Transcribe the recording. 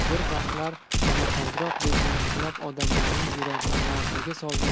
bir vaqtlar momaqaldiroqdek gumburlab odamlarning yuragini larzaga solgan